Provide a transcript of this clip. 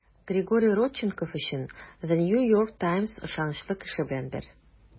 Григорий Родченков өчен The New York Times ышанычлы кеше белән бер.